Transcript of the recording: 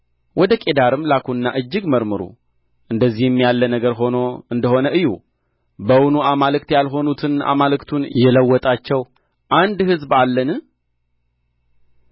ወደ ቄዳርም ላኩና እጅግ መርምሩ እንደዚህም ያለ ነገር ህኖ እንደ ሆነ እዩ በውኑ አማልክት ያልሆኑትን አማልክቱን የለወጣቸው አንድ ሕዝብ አለን